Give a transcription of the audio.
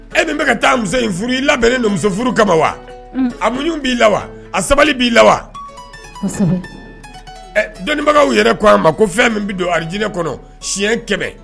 E min bɛka ka taa muso in furu i labɛn ne denmuso furu ka wa a muɲ b'i la wa a sabali b'i la wa ɛ dɔnnibagawkaw yɛrɛ ko a ma ko fɛn min bɛ don alid kɔnɔ siɲɛ kɛmɛ